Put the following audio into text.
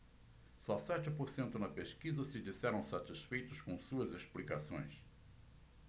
só sete por cento na pesquisa se disseram satisfeitos com suas explicações